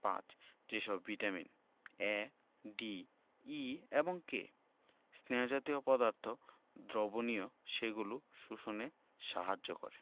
৫. যে সব vitamin A D E এবং K স্নেহ জাতীয় পদার্থ দ্রবণীয় সেগুলো শোষণে সাহায্য করে